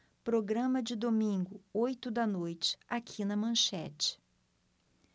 programa de domingo oito da noite aqui na manchete